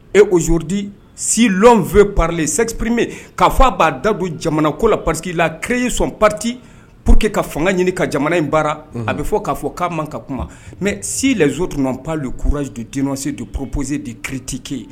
E ozodi si fɛ palen sɛtiprieme k'a fɔ a b'a da don jamana ko la pariki la keree sɔn pariti pour que ka fanga ɲini ka jamana in baara a bɛ fɔ k'a fɔ k'a ma ka kuma mɛ si lazo tun pal kurasi dontsi don ppsie de kiiritikee yen